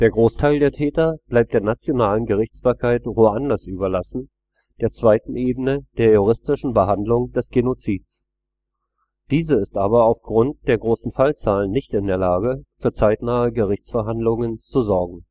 Großteil der Täter bleibt der nationalen Gerichtsbarkeit Ruandas überlassen, der zweiten Ebene der juristischen Behandlung des Genozids. Diese ist aber aufgrund der großen Fallzahl nicht in der Lage, für zeitnahe Gerichtsverhandlungen zu sorgen